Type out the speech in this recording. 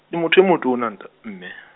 ke motho e motona, nta mme.